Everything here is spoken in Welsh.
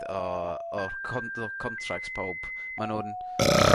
dy- o o con- o contracts pawb ma' nw'n